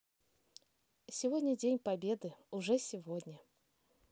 сегодня день победы уже сегодня